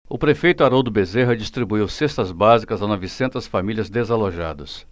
o prefeito haroldo bezerra distribuiu cestas básicas a novecentas famílias desalojadas